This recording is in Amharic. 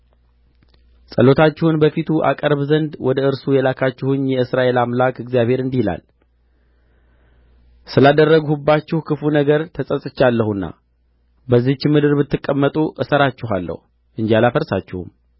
ጸሎታችሁን በፊቱ አቀርብ ዘንድ ወደ እርሱ የላካችሁኝ የእስራኤል አምላክ እግዚአብሔር እንዲህ ይላል ስላደረግሁባችሁ ክፉ ነገር ተጸጽቻለሁና በዚህች ምድር ብትቀመጡ እሠራችኋለሁ እንጂ አላፈርሳችሁም